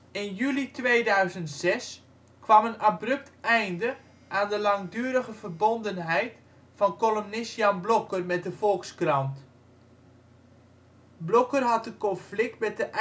In juli 2006 kwam een abrupt einde aan de langdurige verbondenheid van columnist Jan Blokker met de Volkskrant. Blokker had een conflict met de eindredactie